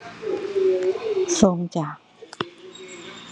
ส่งจ้ะ